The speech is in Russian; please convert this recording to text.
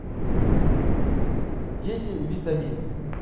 дети витамины